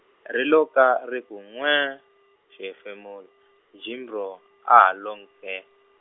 ri lo ka ri ku nwee, xihefemulo, Jimbro, a ha lo nkee.